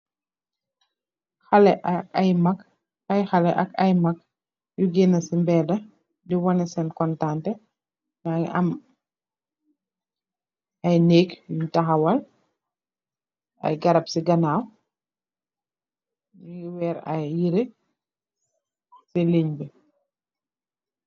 Aye khaleh ak aye mak nyu gena si mbeda di wane sen kontanteh munge am aye neek yunj tahawal si ganaw ak aye garap nyunge werr aye yerre si linj b